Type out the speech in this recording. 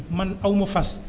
man aw ma fas